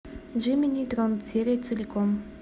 джимми нейтрон серия целиком